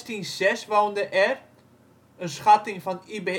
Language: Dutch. In 1606 woonden er (schatting van I.B.M.